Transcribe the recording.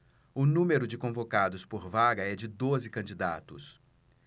o número de convocados por vaga é de doze candidatos